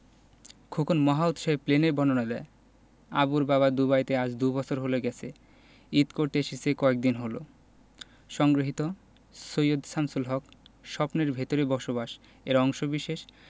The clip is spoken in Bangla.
খোকন মহা উৎসাহে প্লেনের বর্ণনা দেয় আবুর বাবা দুবাইতে আজ দুবছর হলো গেছে ঈদ করতে এসেছে কয়েকদিন হলো সংগৃহীত সৈয়দ শামসুল হক স্বপ্নের ভেতরে বসবাস এর অংশবিশেষ